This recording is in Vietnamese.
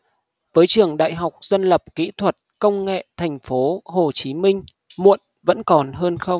với trường đại học dân lập kỹ thuật công nghệ thành phố hồ chí minh muộn vẫn còn hơn không